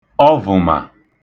ọvụ̀mà